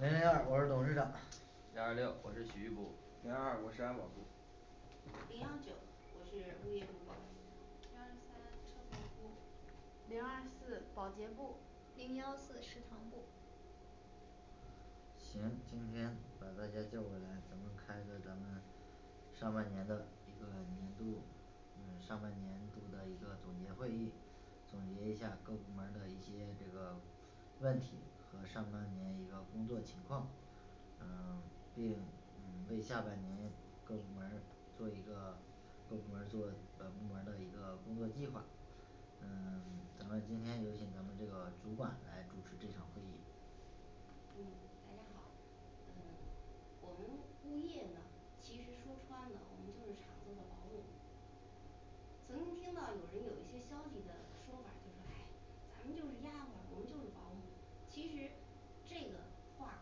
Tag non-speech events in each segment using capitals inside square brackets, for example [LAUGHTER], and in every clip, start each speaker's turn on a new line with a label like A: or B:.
A: 零零二，我是董事长 [CROSSTALK]
B: 零二六我是洗浴部
C: 零二二我是安保部儿
D: 零幺九我是物业主管
E: 零二三车棚部。
F: 零二四保洁部。
G: 零幺四食堂部。
A: 行，今天把大家叫过来，咱们开个咱们上半年的一个年度那个上半年度的一个总结会议，总结一下儿各部门儿的一些这个问题和上半年一个工作情况，呃并嗯为下半年各部门儿做一个各部门儿做本部门儿的一个工作计划。嗯 [SILENCE] 咱们今天有请咱们这个主管来主持这场会议。
D: 嗯大家好嗯 [SILENCE] 我们物业呢其实说穿了我们就是厂子的保姆，曾经听到有人有一些消极的说法儿就说唉咱们就是丫鬟我们就是保姆。其实这个话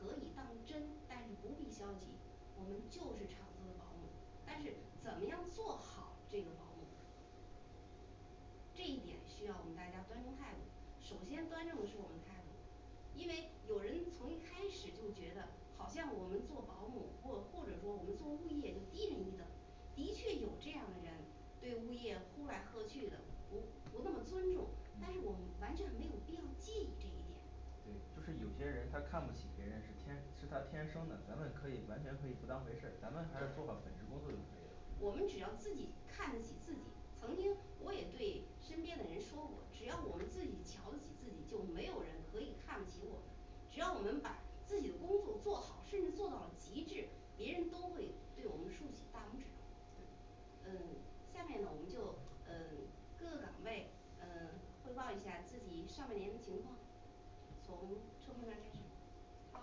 D: 可以当真，但是不必消极，我们就是厂子的保姆，但是怎样做好这个保姆。这一点需要我们大家端正态度，首先端正的是我们的态度。因为有人从一开始就觉得好像我们做保姆或或者说我们做物业就低人一等。的确有这样的人对物业呼来喝去的不不那么尊重但是我们完
A: 嗯
D: 全没有必要介意这一点
C: 对就是有些人他看不起别人是天是他天生的，咱们可以完全可以不当回事儿
D: 对
C: 咱们还是做好本职工作就可以，
D: 我
C: 了。
D: 们只要自己看得起自己，曾经我也对身边的人说过，只要我们自己瞧得起自己，就没有人可以看不起我们，只要我们把自己的工作做好，甚至做到了极致，别人都会对我们竖起大拇指。
C: 对
D: 嗯下面呢我们就嗯各个岗位嗯汇报一下自己上半年的情况。从车棚那开始。
E: 哦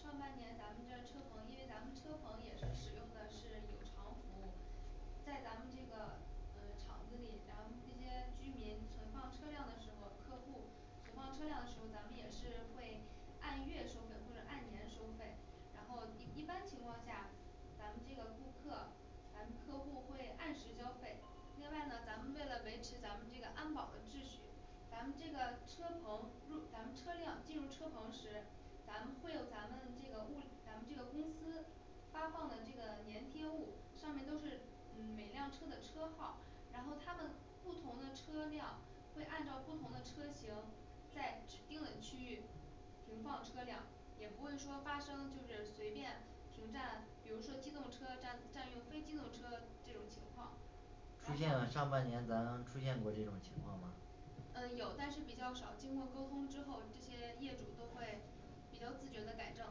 E: 上半年咱们这车棚因为咱们车棚也是使用的是有偿服务，在咱们这个呃厂子里，咱们那些居民存放车辆的时候，客户儿存放车辆的时候，咱们也是会按月收费或者按年收费，然后一一般情况下，咱们这个顾客咱们客户儿会按时交费另外呢咱们为了维持咱们这个安保的秩序，咱们这个车棚入咱们车辆进入车棚时，咱们会有咱们这个物咱们这个公司发放的这个粘贴物上面都是嗯每辆车的车号儿，然后他们不同的车辆会按照不同的车型在指定的区域停放车辆，也不会说发生就是随便停占，比如说机动车占占用非机动车这种情况，
A: 出
E: 然
A: 现了上半
E: 后
A: 年咱出现过这种情况吗？
E: 嗯有，但是比较少经过沟通之后，这些业主都会比较自觉地改正。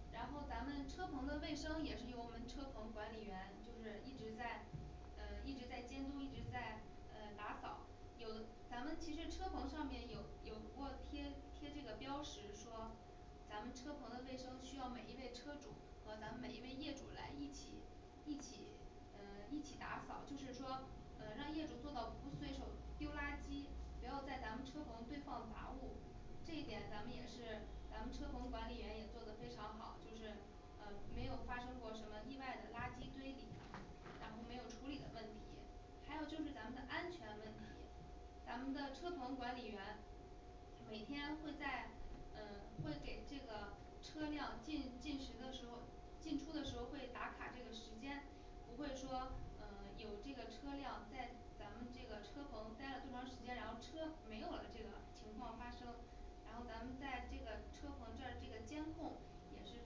A: 嗯行
E: 然后咱们车棚的卫生也是由我们车棚管理员就是一直在呃一直在监督，一直在呃打扫。有的咱们其实车棚上面有有过贴贴这个标识说咱们车棚的卫生需要每一位车主和咱每一位业主来一起一起呃 [SILENCE] 一起打扫，就是说呃让业主做到不随手丢垃圾，没有在咱们车棚堆放杂物，这一点咱们也是咱们车棚管理员也做得非常好，就是呃没有发生过什么意外的垃圾堆里，然后没有处理的问题还有就是咱们的安全问题，咱们的车棚管理员每天会在呃会给这个车辆进进时的时候，进出的时候会打卡这个时间，不会说呃 [SILENCE] 有这个车辆在咱们这个车棚待了多长时间，然后车没有了这个情况发生，然后咱们在这个车棚这儿这个监控也是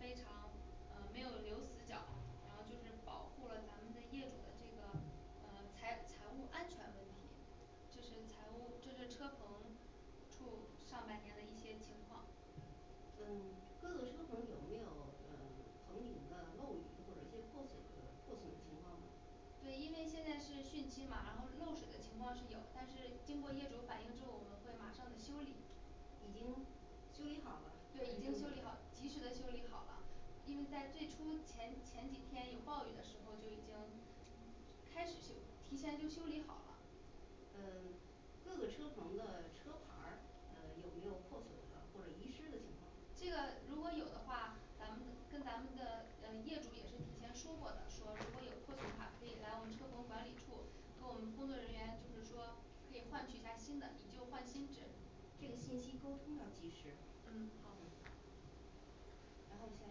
E: 非常呃没有留死角，然后就是保护了咱们的业主的这个呃财财务安全问题。这是财务这是车棚处上半年的一些情况，
D: 嗯各个车棚有没有呃棚顶的漏雨或者一些破损的破损的情况呢。
E: 对，因为现在是汛期嘛，然后漏水的情况是有，但是经过业主反映之后，我们会马上的修理，
D: 已经修理好了，
E: 对已经修理好了及时的修理好了，因为在最初前前几天有暴雨的时候，就已经开始修提前就修理好了。
D: 嗯 [SILENCE] 各个车棚的车牌儿呃有没有破损的或者遗失的情况。
E: 这个如果有的话，咱们跟咱们的呃业主也是提前说过的，说如果有破损的话可以来我们车棚管理处，和工作人员就是说可以换取一下新的以旧换新制，
D: 这个信息沟通要及时。
E: 嗯好
D: 嗯然后下一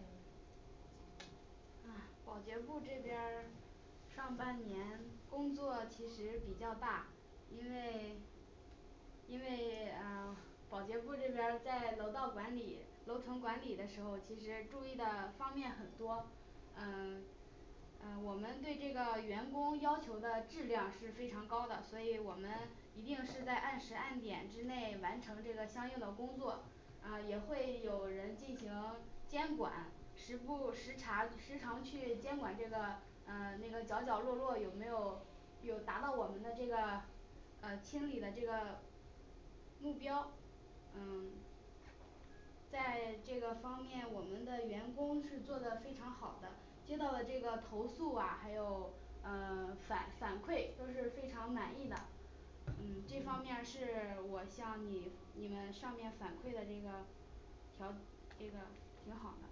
D: 位
F: 嗯保洁部儿这边儿上半年工作其实比较大，因为因为 [SILENCE] 啊保洁部儿这边儿在楼道管理楼层管理的时候儿，其实注意的方面很多，嗯 [SILENCE] 啊我们对这个员工要求的质量是非常高的，所以我们一定是在按时按点之内完成这个相应的工作，啊也会有人进行监管，时不时查，时常去监管这个。呃那个角角落落有没有有达到我们的这个呃清理的这个目标，嗯在这个方面我们的员工是做得非常好的，接到的这个投诉啊还有呃 [SILENCE] 反反馈都是非常满意的，嗯这方面儿是我向你你们上面反馈的这个，调这个挺好的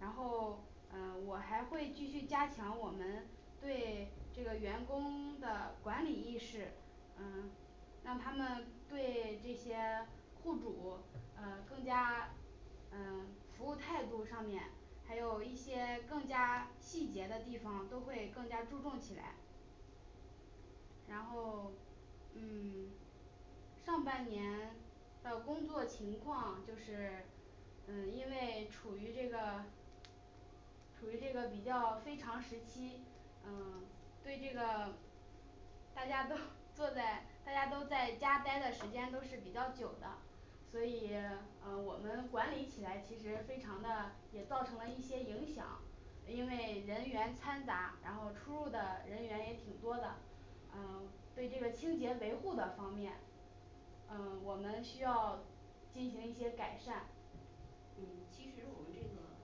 F: 然后呃我还会继续加强我们对这个员工 [SILENCE] 的管理意识，嗯让他们对 [SILENCE] 这些户主呃更加嗯服务态度上面还有一些更加细节的地方都会更加注重起来。然后 [SILENCE] 嗯 [SILENCE] 上半年的工作情况就是嗯因为处于这个处于这个比较非常时期，嗯 [SILENCE] 对这个大家都 [NOISE] 坐在大家都在家呆的时间都是比较久的，所以呃我们管理起来其实非常的也造成了一些影响，因为人员掺杂，然后出入的人员也挺多的，嗯对这个清洁维护的方面，嗯我们需要进行一些改善。
D: 嗯其实我们这个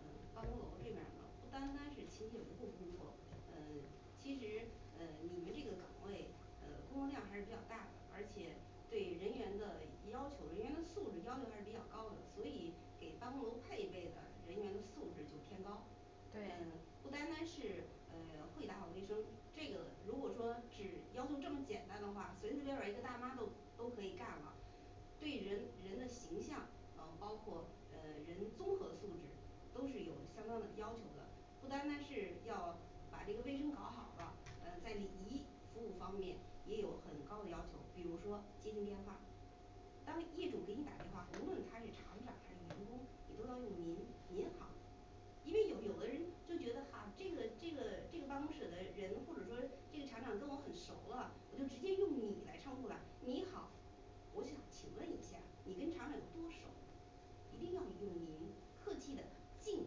D: 嗯办公楼这边儿的不单单是清洁维护工作，呃 [SILENCE] 其实呃你们这个岗位呃工作量还是比较大的而且对于人员的要求人员的素质要求还是比较高的，所以给办公楼配备的人员的素质就偏高。嗯
E: 对
D: 不单单是呃会打扫卫生这个如果说只要求这么简单的话，随随便儿便儿一个大妈都都可以干了对人人的形象嗯包括呃人综合素质都是有相当的要求的。不单单是要把这个卫生搞好了，呃在礼仪服务方面也有很高的要求，比如说接听电话，当业主给你打电话，无论他是厂长还是员工，你都要用您您好因为有有的人就觉得哈这个这个这个办公室的人或者说这个厂长跟我很熟了，我就直接用你来称呼了，你好。我想请问一下你跟厂长有多熟一定要用您客气的敬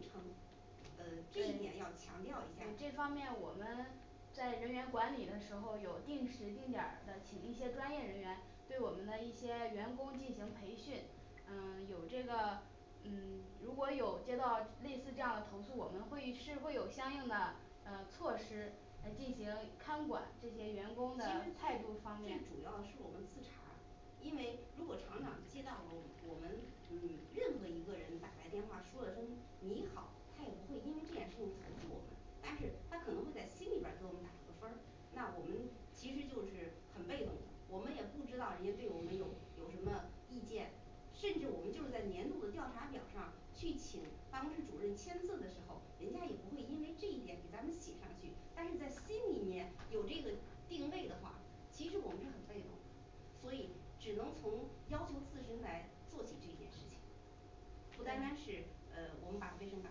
D: 称，呃这一点要
F: 对
D: 强
F: 对
D: 调一下，
F: 这方
D: 儿
F: 面我们在人员管理的时候，有定时定点儿的请一些专业人员对我们的一些员工进行培训，呃 [SILENCE] 有这个嗯如果有接到类似这样的投诉，我们会是会有相应的呃措施，来进行看管这些
D: 其实最最
F: 员
D: 主
F: 工的态度方面
D: 要是我们自查因为如果厂长接到了我我们嗯任何一个人打来电话说了声你好，他也不会因为这件事情投诉我们，但是他可能会在心里边儿给我们打一个分儿那我们其实就是很被动的，我们也不知道人家对我们有有什么意见，甚至我们就是在年度的调查表上去请办公室主任签字的时候，人家也不会因为这一点给咱们写上去，但是在心里面有这个定位的话，其实我们是很被动的，所以只能从要求自身来做起这件事情。不单单
E: 对
D: 是呃我们把卫生打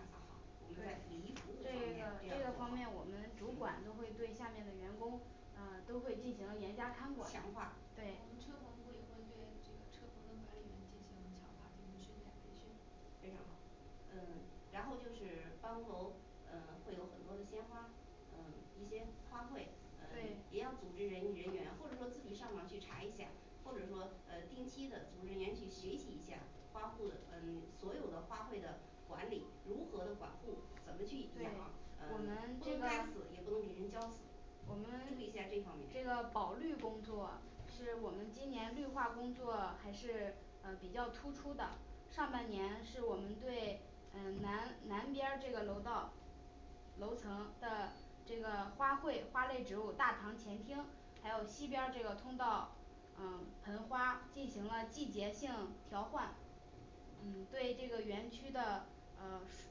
D: 扫好我们
F: 对
D: 在礼仪服务方面
F: 这
D: 也要
F: 个这个
D: 做
F: 方面我
D: 好
F: 们主管都
D: 嗯
F: 会对下面的员工呃都会进行严加看管
D: 强化
E: 我
F: 对
E: 们车棚部也会对这个车棚的管理员进行强化进行训练培训
D: 非常好嗯然后就是办公楼嗯会有很多的鲜花，嗯一些花卉嗯
F: 对
D: 也要组织人人员或者说自己上网去查一下或者说呃定期的组织人员去学习一下，花护的嗯所有的花卉的管理如何的管控，怎么去养
F: 对
D: 呃
F: 我
D: 不
F: 们这
D: 能
F: 个
D: 干死也不能给人浇死
F: 我
D: 注意一下这方
F: 们
D: 面
F: 这个保绿工作是我们今年绿化工作还是呃比较突出的，上半年是我们对嗯南南边儿这个楼道楼层的这个花卉花类植物大堂前厅，还有西边儿这个通道嗯盆花进行了季节性调换，
D: 嗯
F: 对这个园区的呃树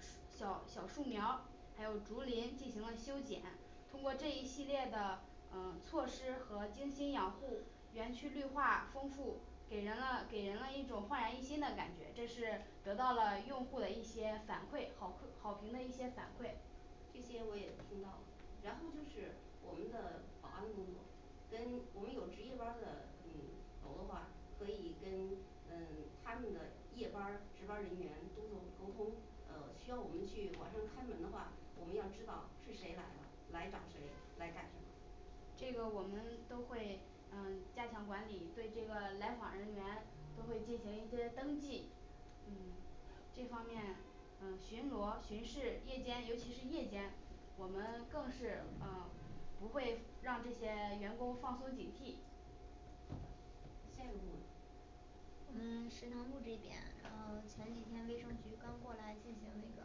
F: 树小小树苗儿还有竹林进行了修剪，通过这一系列的。啊措施和精心养护，园区绿化丰富，给人了给人了一种焕然一新的感觉，这是得到了用户的一些反馈好馈好评的一些反馈。
D: 这些我也听到了，然后就是我们的保安工作跟我们有值夜班儿的嗯楼的话可以跟。嗯他们的夜班儿值班儿人员多做沟通，呃需要我们去晚上开门的话，我们要知道是谁来了，来找谁，来干什么。
F: 这个我们都会嗯加强管理，对这个来访人员都会进行一些登记
D: 嗯
F: 这方面呃巡逻巡视夜间，尤其是夜间，我们更是呃不会让这些员工放松警惕，
D: 下一个部门儿
G: 我们食堂部这边然后前几天卫生局刚过来进行了一个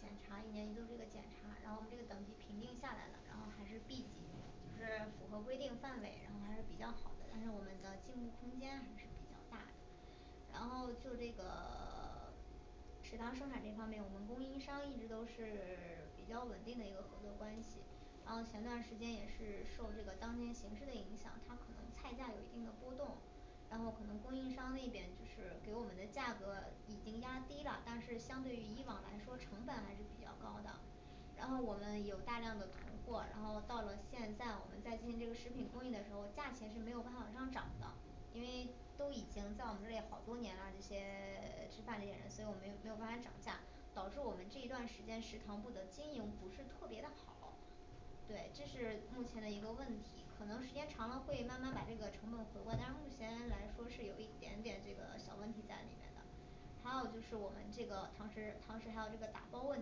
G: 检查，一年一度这个检查，然后这个等级评定下来了，然后还是B级，就是符合规定范围，然后还是比较好的，但是我们的进步空间还是比较大的。然后就这个 [SILENCE] 食堂生产这方面，我们供应商一直都是 [SILENCE] 比较稳定的一个合作关系，然后前段儿时间也是受这个当今形势的影响，它可能菜价有一定的波动，然后可能供应商那边就是给我们的价格已经压低啦但是相对于以往来说成本还是比较高的。然后我们有大量的囤货，然后到了现在我们在进这个食品供应的时候，价钱是没有办法往上涨的，因为都已经在我们这里好多年了，这些 [SILENCE] 吃饭这些人，所以我没有没有办法涨价，导致我们这一段时间食堂部的经营不是特别的好。对，这是目前的一个问题，可能时间长了会慢慢把这个成本回过来，但是目前来说是有一点点这个小问题在里面的。还有就是我们这个堂食堂食还有这个打包问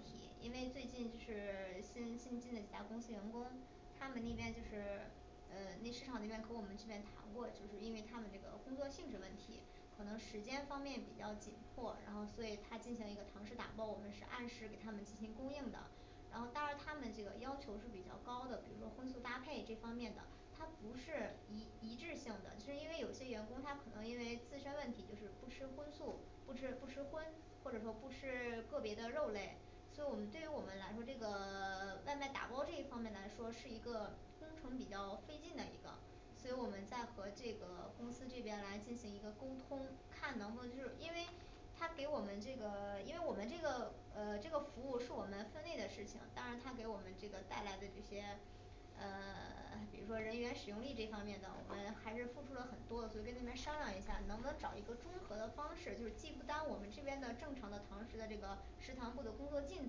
G: 题，因为最近这是 [SILENCE] 新新进了几家公司员工，他们那边就是。呃那市场那边跟我们这边谈过就是因为他们那个工作性质问题，可能时间方面比较紧迫，然后所以他进行一个堂食打包，我们是按时给他们进行供应的。然后当然他们这个要求是比较高的，比如说荤素搭配这方面的。它不是一一致性的，其实因为有些员工他可能因为自身问题就是不吃荤素不吃不吃荤，或者说不吃 [SILENCE] 个别的肉类，所以我们对于我们来说这个 [SILENCE] 外卖打包这一方面来说是一个工程比较费劲的一个，所以我们在和这个公司这边来进行一个沟通，看能不能就是因为他给我们这个 [SILENCE] 因为我们这个呃这个服务是我们份内的事情，当然他给我们这个带来的这些呃 [SILENCE] 比如说人员使用率这方面的，我们还是付出了很多，所以跟你们商量一下，能不能找一个中和的方式，就是既不耽误我们这边的正常的堂食的这个食堂部的工作进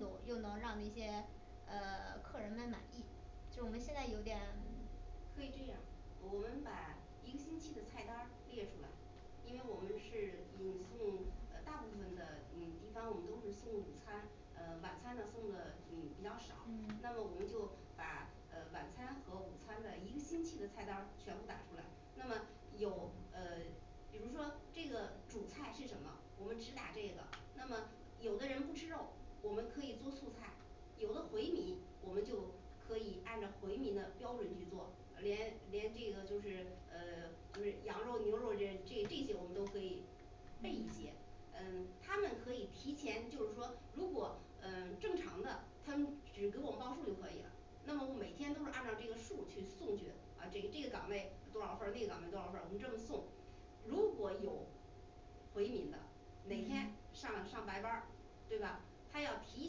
G: 度，又能让那些呃 [SILENCE] 客人们满意就是我们现在有点 [SILENCE]
D: 可以这样，我们把一个星期的菜单儿列出来，因为我们是嗯送呃大部分的嗯地方，我们都是送午餐呃 [SILENCE] 晚餐呢送的嗯比较少，那么
G: 嗯
D: 我们就把呃晚餐和午餐的一个星期的菜单儿全部打出来那么有呃比如说这个主菜是什么，我们只打这个那么有的人不吃肉，我们可以做素菜有的回民我们就可以按照回民的标准去做呃连连这个就是呃 [SILENCE] 不是羊肉牛肉这这这些我们都可以备一些
G: 嗯
D: 嗯他们可以提前就是说如果嗯正常的他们只给我们报数儿就可以了。那么我每天都是按照这个数儿去送去呃这这个岗位多少份儿那个岗位多少份儿，我们这么送。如果有回民的哪天
G: 嗯
D: 上上白班儿对吧？他要提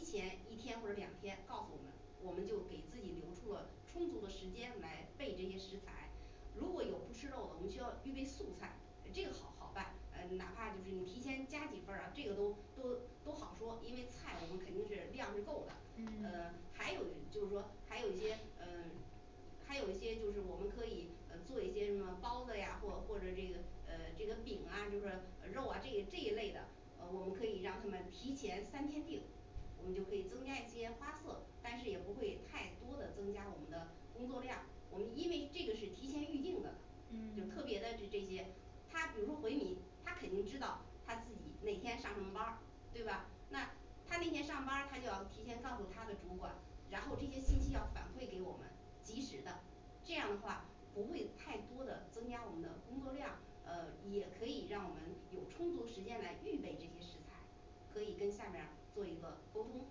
D: 前一天或者两天告诉我们，我们就给自己留出了充足的时间来备这些食材如果有不吃肉的，我们需要预备素菜这个好好办呃哪怕就是你提前加几份儿啊这个都都都好说，因为菜我们肯定是量是够的呃
G: 嗯
D: 还有就是说还有一些嗯还有一些就是我们可以呃做一些什么包子呀或或者这个呃这个饼啊就是呃肉这一这一类的呃我们可以让他们提前三天定我们就可以增加一些花色，但是也不会太多的增加我们的工作量，我们因为这个是提前预定的了就特别
G: 嗯
D: 的这这些他比如说回民，他肯定知道他自己哪天上什么班儿对吧那他那天上班儿他就要提前告诉他的主管，然后这些信息要反馈给我们，及时的这样的话不会太多的增加我们的工作量呃也可以让我们有充足时间来预备这些食材可以跟下面儿做一个沟通，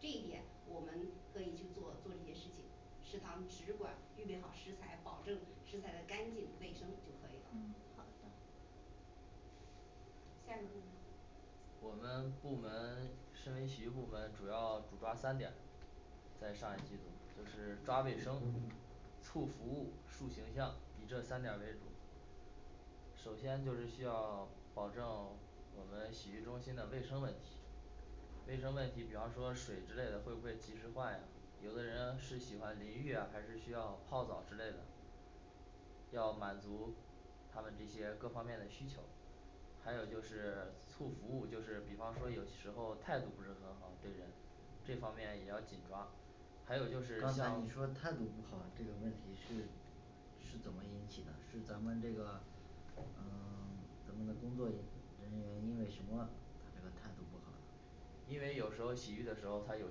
D: 这一点我们可以去做做这些事情，食堂只管预备好食材，保证食材的干净卫生就可以了
G: 嗯好的
D: 下一个部门
B: 我们部门 [SILENCE] 身为洗浴部门主要主抓三点儿在上一季度就是抓卫生、促服务、树形象，以这三点儿为主首先就是需要 [SILENCE] 保证我们洗浴中心的卫生问题，卫生问题，比方说水之类的会不会及时换呀，有的人是喜欢淋浴啊，还是需要泡澡儿之类的要满足他们这些各方面的需求。还有就是促服务就是比方说有时候态度不是很好，对人这方面也要紧抓还有就是你
A: 刚才
B: 像
A: 你说态度不好，这个问题是是怎么引起的？是咱们这个呃 [SILENCE] 咱们的工作人人员因为什么他这个态度不好的
B: 因为有时候洗浴的时候，他有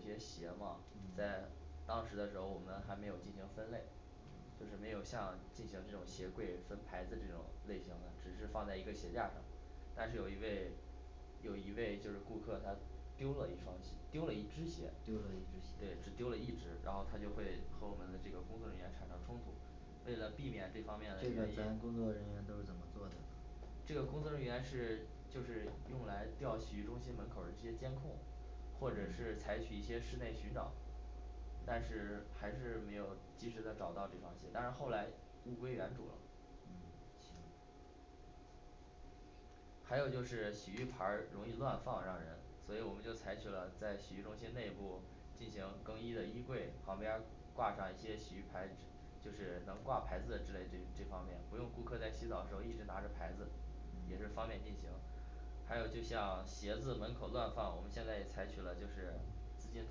B: 些鞋嘛在
A: 嗯
B: 当时的时候我们还没有进行分类，就
A: 嗯
B: 是没有像进行这种鞋柜分牌子这种类型的，只是放在一个鞋架儿上但是有一位有一位就是顾客他丢了一双鞋，丢了一只鞋
A: 丢
B: 对只丢
A: 了一只鞋
B: 了一只然后他就会和我们的这个工作人员产生冲突为了避免这
A: 这
B: 方面的
A: 个
B: 原因
A: 咱工作人员都是怎么做的呢
B: 这个工作人员是就是用来调洗浴中心门口儿的这些监控，或者是
A: 嗯
B: 采取一些室内寻找但是还是没有及时的找到这双鞋，但是后来物归原主了
A: 嗯行
B: 还有就是洗浴牌儿容易乱放让人，所以我们就采取了在洗浴中心内部进行更衣的衣柜，旁边儿挂上一些洗浴牌就是能挂牌子的之类这这方面，不用顾客在洗澡的时候一直拿着牌子，也是
A: 嗯
B: 方便进行还有就像鞋子门口乱放，我们现在也采取了就是资金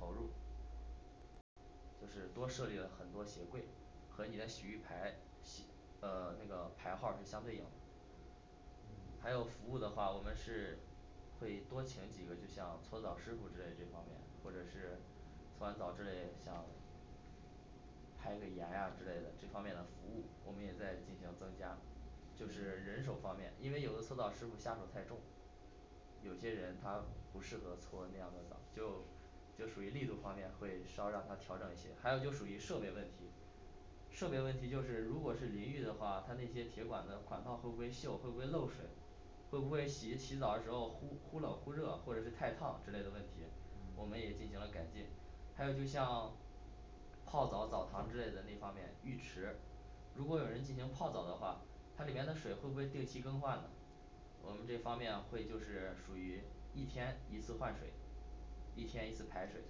B: 投入就是多设立了很多鞋柜和你的洗浴牌洗呃那个牌号儿是相对应的还有服务的话，我们是会多请几个就像搓澡儿师傅之类这方面或者是搓完澡儿之类想拍个盐呀之类的这方面的服务，我们也在进行增加就是
A: 嗯
B: 人手方面，因为有的搓澡儿师傅下手太重有些人他不适合搓那样的澡儿就就属于力度方面会稍让他调整一些，还有就属于设备问题设备问题就是如果是淋浴的话，它那些铁管的管道会不会锈会不会漏水会不会洗洗澡的时候忽忽冷忽热或者是太烫之类的问题，我们
A: 嗯
B: 也进行了改进还有就像泡澡澡堂之类的那方面，浴池。如果有人进行泡澡的话，它里面的水会不会定期更换呢我们这方面会就是属于一天一次换水，一天一次排水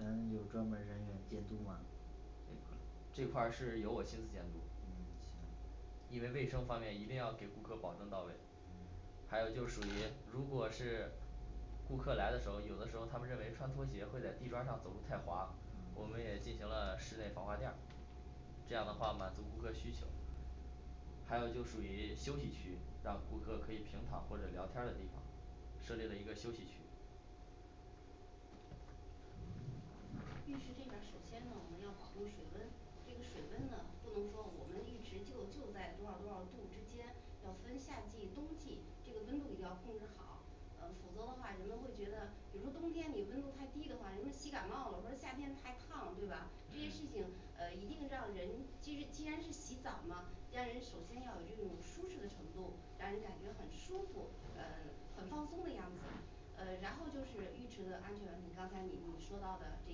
A: 咱有专门儿人员监督吗
B: 这块儿是由我亲自监督
A: 嗯行
B: 因为卫生方面一定要给顾客保证到位
A: 嗯
B: 还有就属于如果是顾客来的时候，有的时候他们认为穿拖鞋会在地砖儿上走路太滑，我们
A: 嗯
B: 也进行了室内防滑垫儿这样的话满足顾客需求还有就属于休息区，让顾客可以平躺或者聊天儿的地方，设立了一个休息区
D: 浴池这边儿首先呢我们要保证水温这个水温呢不能说我们浴池就就在多少多少度之间要分夏季，冬季这个温度一定要控制好呃否则的话人们会觉得比如说冬天你温度太低的话人家洗感冒了或者夏天太烫对吧？这些事
B: 嗯
D: 情呃一定让人既是既然是洗澡嘛让人首先要有这种舒适的程度，让人感觉很舒服呃 [SILENCE] 很放松的样子呃然后就是浴池的安全问题，刚才你你说到的这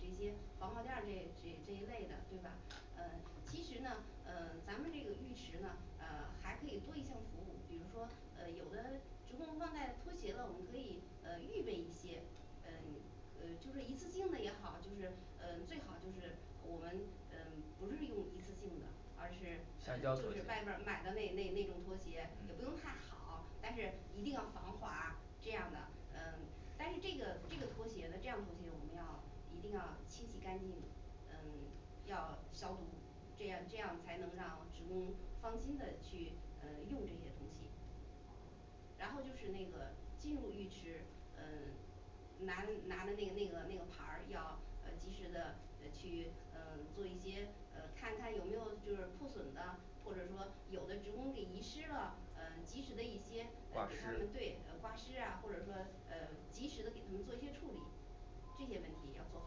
D: 这些防滑垫儿这这这一类的对吧呃其实呢呃咱们这个浴池呢呃还可以多一项服务，比如说呃有的职工忘带拖鞋了，我们可以呃预备一些嗯呃就是一次性的也好就是呃最好就是我们呃不是用一次性的而是呃
B: 橡胶
D: 就
B: 拖鞋
D: 是外边儿买的那那那种拖鞋也不用太
B: 嗯
D: 好，但是一定要防滑这样的嗯但是这个这个拖鞋的这样拖鞋我们要一定要清洗干净嗯 [SILENCE] 要消毒这样这样才能让职工放心的去呃用这些东西。然后就是那个进入浴池呃拿拿的那个那个那个牌儿要呃及时地呃去呃做一些呃看一看有没有就是破损的或者说有的职工给遗失了呃及时的一些呃
B: 挂
D: 给他
B: 失
D: 们对挂失啊，或者说呃及时的给他们做一些处理这些问题要做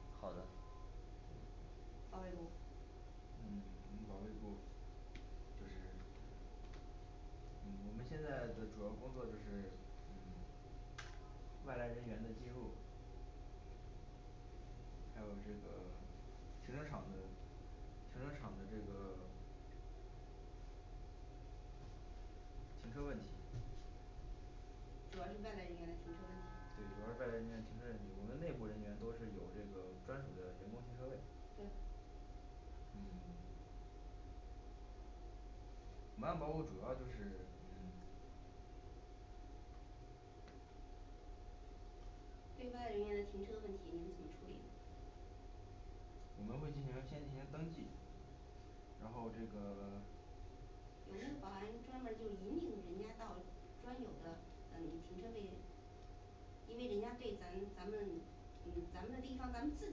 D: 好
B: 好的
D: 保卫部
C: 嗯 [SILENCE] 保卫部就是嗯我们现在的主要工作就是嗯外来人员的进入，还有这个 [SILENCE] 停车场的，停车场的这个 [SILENCE] 停车问题
D: 主要是外来人员的停车问题
C: 对，主要是外来人员停车问题，我们内部人员都是有这个专属的员工停车位
D: 对
C: 嗯 [SILENCE] 我们安保部主要就是嗯
D: 对外来人员的停车问题你们怎么处理呢
C: 我们会进行先进行登记。然后这个 [SILENCE]
D: 有没有保安专门儿就引领人家到专有的嗯停车位因为人家对咱咱们嗯咱们的地方，咱们自